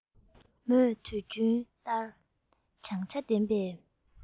མོས དུས རྒྱུན ལྟར བྱང ཆ ལྡན པའི